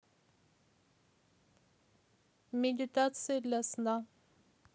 медитация для сна